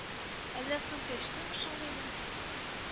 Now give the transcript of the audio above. Әллә соң кәчтүм ошамыймы